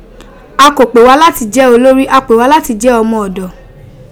A ko pe wa lati je olori, a pe wa lati je omo odo.